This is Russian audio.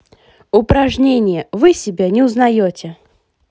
упражнения вы себя не узнаете